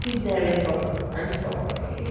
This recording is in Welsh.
Ti newydd cwrdd â nhw, I'm sorry.